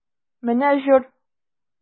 Менә җор!